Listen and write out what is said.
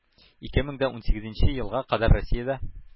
Ике мең дә унсигезенче елга кадәр Россиядә,